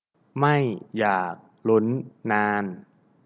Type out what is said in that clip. ไม่อยากลุ้นนาน